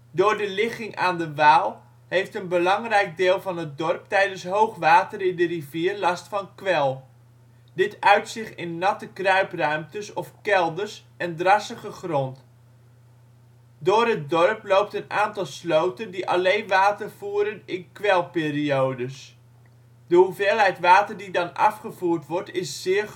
Door de ligging aan de Waal heeft een belangrijk deel van het dorp tijdens hoog water in de rivier last van kwel. Dit uit zich in natte kruipruimtes of kelders en drassige grond. Door het dorp loopt een aantal sloten die alleen water voeren in kwelperiodes. De hoeveelheid water die dan afgevoerd wordt is zeer groot